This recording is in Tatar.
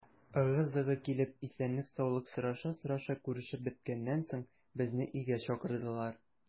Ыгы-зыгы килеп, исәнлек-саулык сораша-сораша күрешеп беткәннән соң, безне өйгә чакырдылар.